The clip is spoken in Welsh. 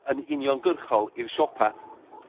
yn uniongyrchol i'r siopa'.